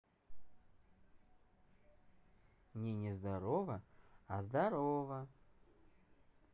не нездорово а здорово